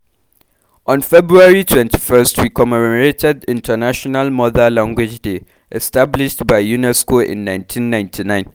On February 21 we commemorated International Mother Language Day, established by UNESCO in 1999.